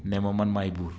ne ma man maay buur